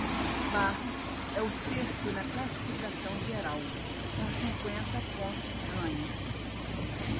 barros é o sexto na classificação geral com cinquenta pontos ganhos